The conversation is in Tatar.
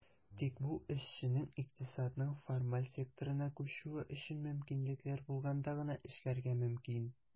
Тик бу эшченең икътисадның формаль секторына күчүе өчен мөмкинлекләр булганда гына эшләргә мөмкин.